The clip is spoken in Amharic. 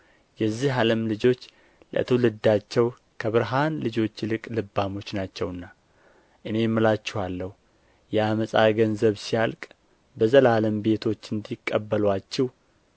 የዚህ ዓለም ልጆች ለትውልዳቸው ከብርሃን ልጆች ይልቅ ልባሞች ናቸውና እኔም እላችኋለሁ የዓመፃ ገንዘብ ሲያልቅ በዘላለም ቤቶች እንዲቀበሉአችሁ